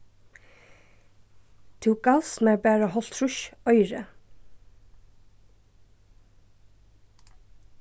tú gavst mær bara hálvtrýss oyru